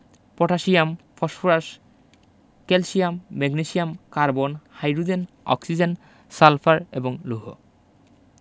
potassium K phosphorus P calcium Ca magnesium Mg carbon C hydrogen H oxygen O sulphur S এবং লুহ Fe